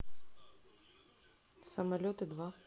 самолеты два